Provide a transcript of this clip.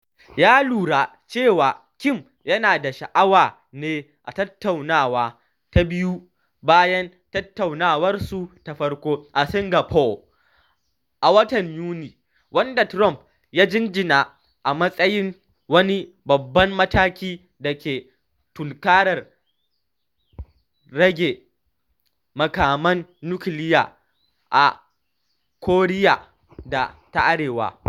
Ya lura cewa Kim yana da sha’awa ne a tattaunawa ta biyu bayan tattaunawarsu ta farko a Singapore a watan Yuni wanda Trump ya jinjina a matsayin wani babban mataki da ke tunkarar rage makaman nukiliya a Koriya ta Arewa.